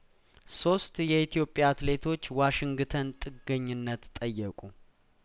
ሶስት የኢትዮጵያ አትሌቶች ዋሽንግተን ጥገኝነት ጠየቁ